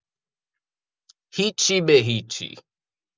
هیچی به هیچی!